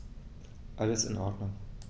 Alles in Ordnung.